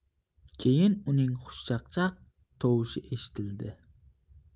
keyin uning xushchaqchaq tovushi eshitildi